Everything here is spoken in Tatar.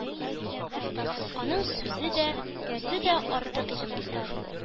Аның сүзе дә, үзе дә артык иде монда.